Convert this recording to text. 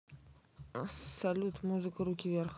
салют музыка руки вверх